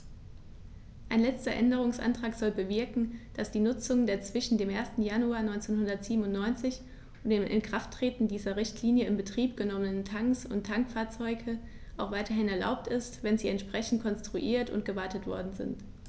Ein letzter Änderungsantrag soll bewirken, dass die Nutzung der zwischen dem 1. Januar 1997 und dem Inkrafttreten dieser Richtlinie in Betrieb genommenen Tanks und Tankfahrzeuge auch weiterhin erlaubt ist, wenn sie entsprechend konstruiert und gewartet worden sind.